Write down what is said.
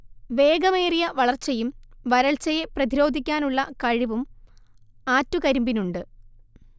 വേഗമേറിയ വളർച്ചയും വരൾച്ചയെ പ്രതിരോധിക്കാനുള്ള കഴിവും ആറ്റുകരിമ്പിനുണ്ട്